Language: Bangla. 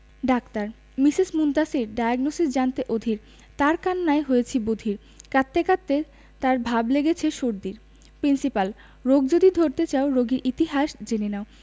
ডাক্তার মিসেস মুনতাসীর ডায়োগনসিস জানতে অধীর তার কান্নায় হয়েছি বধির কাঁদতে কাঁদতে তার ভাব লেগেছে সর্দির প্রিন্সিপাল রোগ যদি ধরতে চাও রোগীর ইতিহাস জেনে নাও